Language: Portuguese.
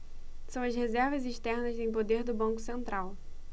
são as reservas externas em poder do banco central